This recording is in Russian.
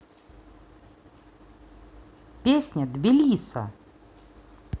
песня тбилисо